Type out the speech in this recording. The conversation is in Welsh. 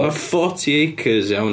Oedd 'na forty acres, iawn.